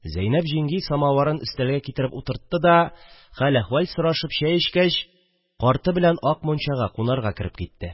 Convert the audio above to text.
Зәйнәп җиңги самавырын өстәлгә китереп утыртты да, хәл-әхвәл сорашып чәй эчкәч, карты белән ак мунчага кунарга кереп китте